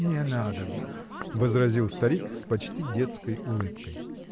-- Не надобно, -- возразил старик с почти детской улыбкой.